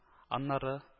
Аннары